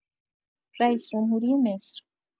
رئیس‌جمهوری مصر